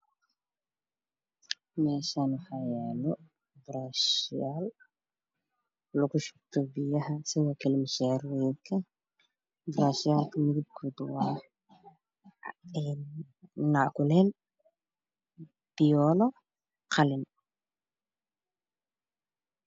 Meshaan waxayaalo burasha yal lagushubtobiyaha sidokale mishariyoyin burashiyalmidibkodwaa ninackulel fiyoole sidokale qalin